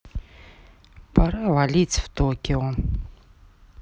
пора валить в токио